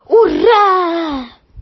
Ура!